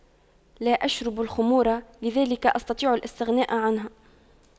لا أشرب الخمور لذلك أستطيع الاستغناء عنها